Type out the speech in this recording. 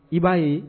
I b'a ye